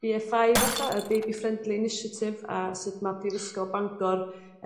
Bee Eff I efalla yr Baby Friendly Initiative a sut ma' Prifysgol Bangor